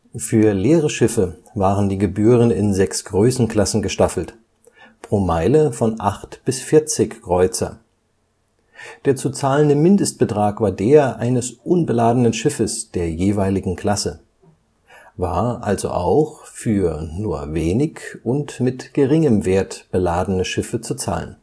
Für leere Schiffe waren die Gebühren in sechs Größenklassen gestaffelt, pro Meile von 8 bis 40 Kreuzer. Der zu zahlende Mindestbetrag war der eines unbeladenen Schiffes der jeweiligen Klasse, war also auch für nur wenig und mit geringem Wert beladene Schiffe zu zahlen